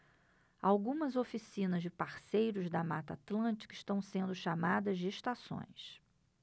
algumas oficinas de parceiros da mata atlântica estão sendo chamadas de estações